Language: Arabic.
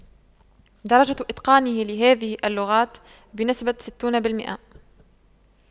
درجة إتقانه لهذه اللغات بنسبة ستون بالمئة